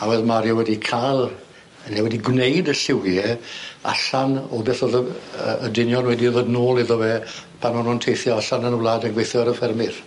A wedd Mario wedi ca'l ne' wedi gwneud y lliwie allan o beth o'dd y yy y dynion wedi ddod nôl iddo fe pan o'n nw'n teithio allan yn y wlad yn gweithio ar y ffermyr.